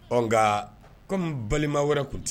Ɔ nka kɔmi balima wɛrɛ tun ten